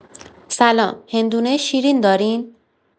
سلام، هندونه شیرین دارین؟